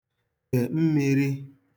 dè mmīrī